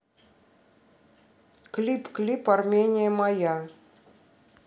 клип клип армения моя